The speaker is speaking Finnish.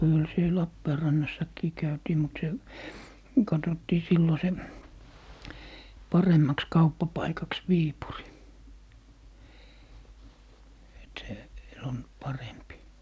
kyllä siellä Lappeenrannassakin käytiin mutta se katsottiin silloin se paremmaksi kauppapaikaksi Viipuri että se on parempi